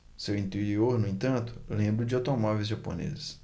seu interior no entanto lembra o de automóveis japoneses